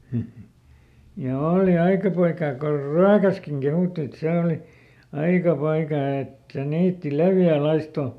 ja oli aika poikaa kun Ryökässäkin kehuttiin että se oli aika poikaa että niitti leveä laisto